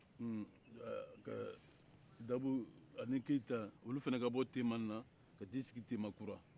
humm ka dabo ani keyita olu fana ka bɔ tema in na k'a t'i sigi temakura